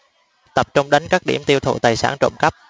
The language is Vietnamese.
tập trung đánh các điểm tiêu thụ tài sản trộm cắp